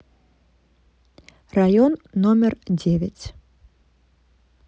район номер девять